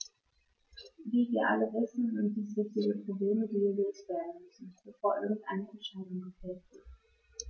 Wie wir alle wissen, sind dies wichtige Probleme, die gelöst werden müssen, bevor irgendeine Entscheidung gefällt wird.